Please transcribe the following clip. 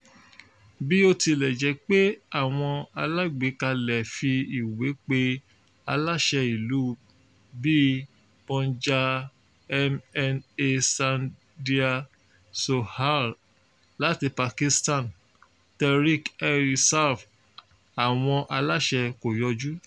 Bí ó tilẹ̀ jé pé àwọn alágbèékalẹ̀ fi ìwé pe aláṣẹ ìlú, bí i Punjab MNA Saadia Sohail láti Pakistan Tehreek e Insaf, àwọn aláṣẹ kò yọjú.